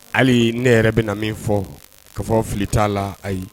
Hali ne yɛrɛ bɛna min fɔ k'a fɔ fili t'a la, ayi